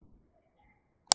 ཟོ དང ཟོ དང ཟེར